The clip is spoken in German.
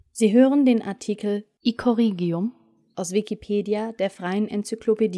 Sie hören den Artikel Icorigium, aus Wikipedia, der freien Enzyklopädie